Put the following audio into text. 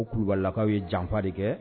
O kulubalibalilakaw ye janfa de kɛ